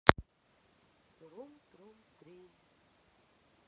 трум трум три